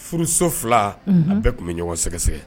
Furuso 2 a bɛɛ tun bɛ ɲɔgɔn sɛgɛsɛ sɛgɛsɛgɛ